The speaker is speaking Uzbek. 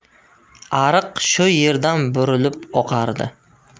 ariq shu yerdan burilib oqardi